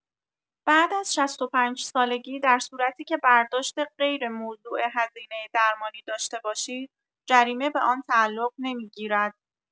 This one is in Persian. بعد از ۶۵ سالگی در صورتیکه برداشت غیر موضوع هزینه درمانی داشته باشید جریمه به آن تعلق نمی‌گیرد.